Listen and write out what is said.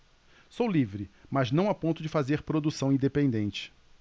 sou livre mas não a ponto de fazer produção independente